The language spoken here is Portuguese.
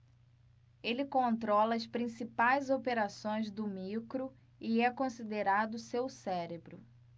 ele controla as principais operações do micro e é considerado seu cérebro